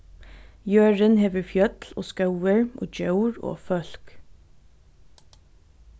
jørðin hevur fjøll og skógir og djór og fólk